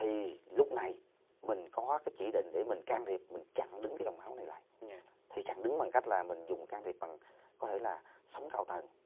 thì lúc này mình có cái chỉ định để mình can thiệp mình chặn đứng cái dòng máu này lại thì chặn đứng bằng cách là mình dùng can thiệp bằng có thể là sóng cao tần